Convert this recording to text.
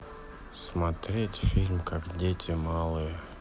смотреть фильм как дети малые